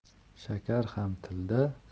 shakar ham tilda